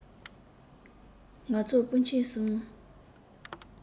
ང ཚོ སྤུན མཆེད གསུམ